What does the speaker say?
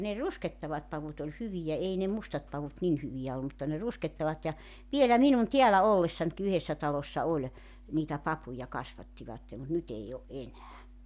ne ruskehtavat pavut oli hyviä ei ne mustat pavut niin hyviä ollut mutta ne ruskehtavat ja vielä minun täällä ollessanikin yhdessä talossa oli niitä papuja kasvattivat mutta nyt ei ole enää